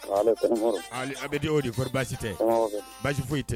A bɛden o de koɔri baasi tɛ basi foyi tɛ